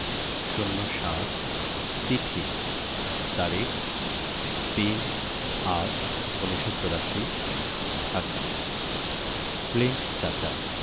০৭ চিঠি তারিখ ৩-৮-১৯৮৪ ঢাকা ক্লিন্ট চাচা